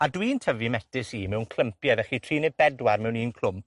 A dwi'n tyfu'm metys i mewn clympie, fellu tri ne' bedwar mewn un clwmp,